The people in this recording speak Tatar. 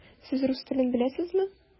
Сез рус телен беләсезме?